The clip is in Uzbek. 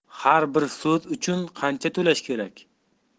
har bir so'z uchun qancha to'lash kerak